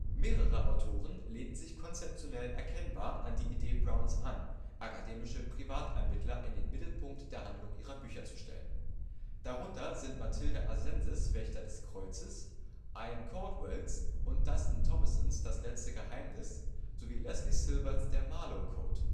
Mehrere Autoren lehnten sich konzeptionell erkennbar an die Idee Browns an, akademische „ Privatermittler “in den Mittelpunkt der Handlung ihrer Bücher zu stellen. Darunter sind Matilde Asensis Wächter des Kreuzes, Ian Caldwells und Dustin Thomasons Das letzte Geheimnis sowie Leslie Silberts Der Marlowe-Code